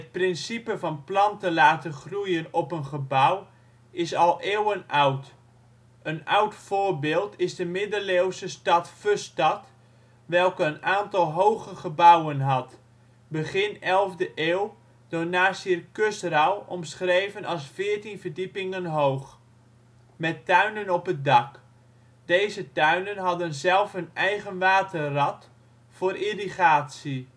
principe van planten laten groeien op een gebouw is al eeuwenoud. Een oud voorbeeld is de middeleeuwse stad Fustat, welke een aantal hoge gebouwen had (begin 11e eeuw door Nasir Khusraw omschreven als 14 verdiepingen oog) met tuinen op het dak. Deze tuinen hadden zelf hun eigen waterrad voor irrigatie